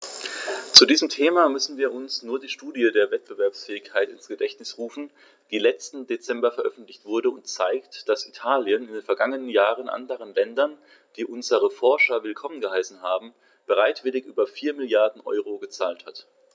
Zu diesem Thema müssen wir uns nur die Studie zur Wettbewerbsfähigkeit ins Gedächtnis rufen, die letzten Dezember veröffentlicht wurde und zeigt, dass Italien in den vergangenen Jahren anderen Ländern, die unsere Forscher willkommen geheißen haben, bereitwillig über 4 Mrd. EUR gezahlt hat.